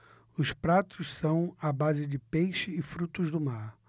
os pratos são à base de peixe e frutos do mar